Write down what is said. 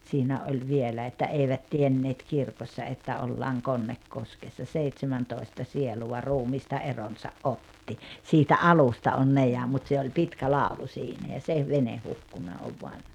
siinä oli vielä että eivät tienneet kirkossa että ollaan Konnekoskessa seitsemäntoista sielua ruumiista eronsa otti siitä alusta on ne ja mutta se oli pitkä laulu siinä ja se vene hukkunut on vain